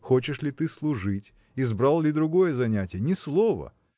хочешь ли ты служить, избрал ли другое занятие – ни слова!